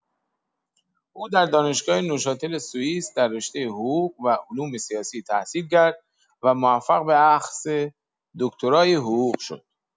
او در دانشگاه نوشاتل سوئیس در رشته حقوق و علوم سیاسی تحصیل کرد و موفق به اخذ دکترای حقوق شد.